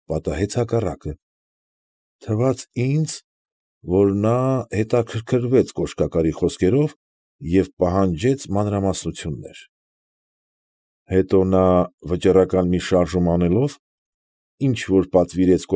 Պատահեց հակառակը, թվաց ինձ, որ նա հետաքրքրվեց կոշկակարի խոսքերով և պահանջեց մանրամասնություններ. Հետո նա, վճռական մի շարժում անելով, ինչ֊որ պատվիրեց։